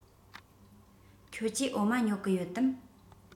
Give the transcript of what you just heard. ཁྱོད ཀྱིས འོ མ ཉོ གི ཡོད དམ